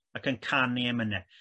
ac yn canu emyne.